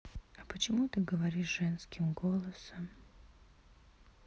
а почему ты говоришь женским голосом